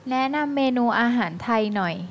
แนะนำเมนูอาหารไทยหน่อย